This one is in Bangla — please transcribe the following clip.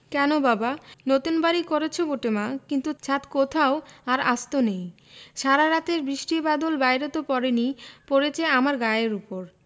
কেন বাবা নতুন বাড়ি করেচ বটে মা কিন্তু ছাত কোথাও আর আস্ত নেই সারা রাতের বৃষ্টি বাদল বাইরে ত পড়েনি পড়েচে আমার গায়ের উপর